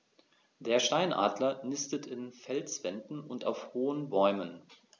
Der Steinadler nistet in Felswänden und auf hohen Bäumen.